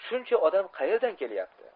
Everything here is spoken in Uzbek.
shuncha odam qaerdan kelyapti